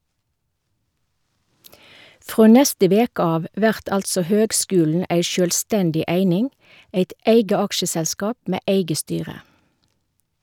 Frå neste veke av vert altså høgskulen ei sjølvstendig eining, eit eige aksjeselskap med eige styre.